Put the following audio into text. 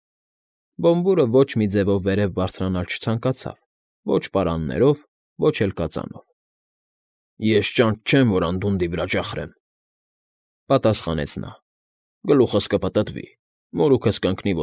Բոմբուրը ոչ մի ձևով վերև բարձրանալ չցանկացավ՝ ոչ պարաններով, ոչ էլ կածանով։ ֊ Ես ճանճ չեմ, որ անդունդի վրա ճախրեմ,֊ պատասխանեց նա։֊ Գլուխս կպտտվի, մորուքս կընկնի։